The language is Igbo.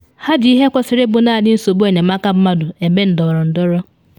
“Ha ji ihe kwesịrị ịbụ naanị nsogbu enyemaka mmadụ eme ndọrọndọrọ.”